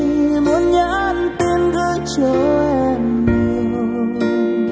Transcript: muốn nhắn tin gửi cho em nhiều